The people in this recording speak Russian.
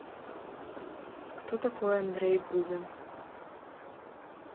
кто такой андрей губин